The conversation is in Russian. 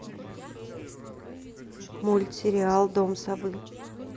мультсериал дом совы